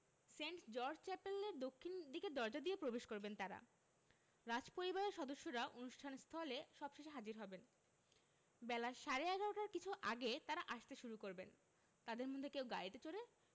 Saint George চ্যাপেলের দক্ষিণ দিকের দরজা দিয়ে প্রবেশ করবেন তাঁরা রাজপরিবারের সদস্যরা অনুষ্ঠান স্থলে সবশেষে হাজির হবেন বেলা সাড়ে ১১টার কিছু আগে থেকে তাঁরা আসতে শুরু করবেন তাঁদের মধ্যে কেউ গাড়িতে চড়ে